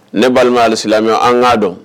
Ne balimamu halimi an k'a dɔn